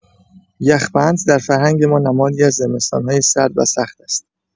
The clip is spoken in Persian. یخ‌بند در فرهنگ ما نمادی از زمستان‌های سرد و سخت است.